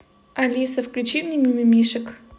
алиса включи мне мимимишек